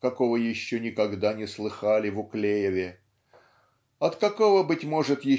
какого еще никогда не слыхали в Уклееве" от какого быть может